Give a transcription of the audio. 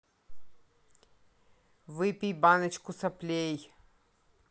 выпей баночку соплей